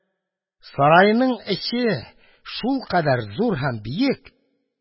Сарайның эче шулкадәр зур һәм биек